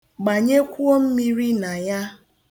Gbanyekwuo mmiri na ya.